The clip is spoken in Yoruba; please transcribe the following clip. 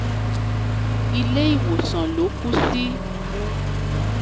Ilé-ìwòsàn ló kú sí.